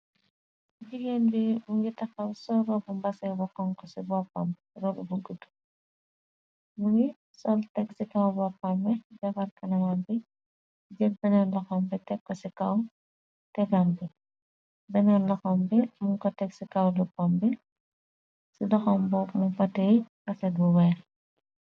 Jigéen bi bu ngi taxaw soo robu mbase bu konko ci boppam b rob bu gudd mu ngi sol teg ci kaw boppambi jafal kanawan bi jëpp benal laxam bi tekko ci kaw te bam bi bennel laxom bi mun ko teg ci kaw lu pom bi ci doxam boo mu potey pasegu weex.